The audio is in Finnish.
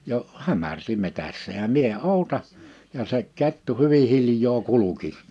jo hämärsi metsässä ja minä odotan ja se kettu hyvin hiljaa kulki